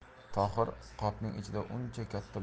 tohir qopning ichida uncha katta